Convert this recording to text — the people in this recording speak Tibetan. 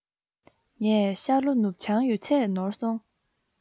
ངས ཤར ལྷོ ནུབ བྱང ཡོད ཚད ནོར སོང